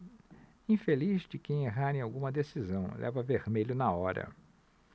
infeliz de quem errar em alguma decisão leva vermelho na hora